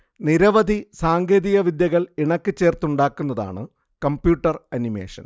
നിരവധി സാങ്കേതിക വിദ്യകൾ ഇണക്കിച്ചേർത്തുണ്ടാക്കുന്നതാണ് കമ്പ്യൂട്ടർ അനിമേഷൻ